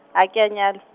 a ke a nyal-.